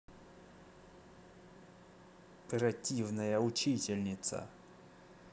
противная учительница